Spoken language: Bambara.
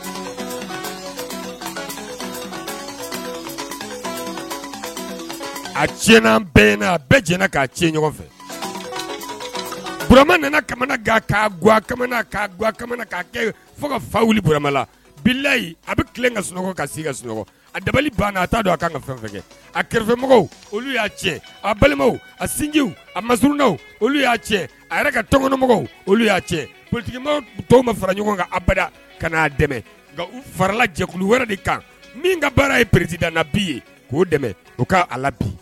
A a jɛnɛ k'a fɛura kɛ ka fayi a bɛ ka sunɔgɔ ka ka sunɔgɔ a dabali aa don a kan ka fɛn a kɛrɛfɛmɔgɔ ya cɛ a balimaw a sinjiw a masda y'a cɛ a yɛrɛ ka tɔnkɔnɔmɔgɔw y'a cɛ ptigima tɔw ma fara ɲɔgɔn kan ada ka aa dɛmɛ faralajɛkulu wɛrɛ de kan min ka baara ye pere dan bi ko dɛmɛ bi